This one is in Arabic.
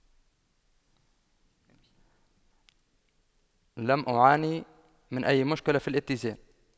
لم أعاني من أي مشكلة في الاتزان